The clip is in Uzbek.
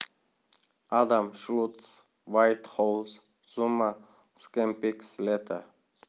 adam schultz white house zuma scanpix leta